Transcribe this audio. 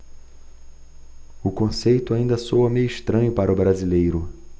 o conceito ainda soa meio estranho para o brasileiro